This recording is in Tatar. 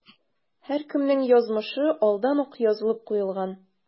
Һәркемнең язмышы алдан ук язылып куелган.